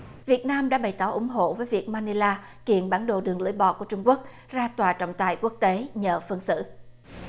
việt nam đã bày tỏ ủng hộ với việc ma ni la kiện bản đồ đường lưỡi bò của trung quốc ra tòa trọng tài quốc tế nhờ phân xử